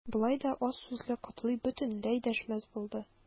Болай да аз сүзле Котлый бөтенләй дәшмәс булды.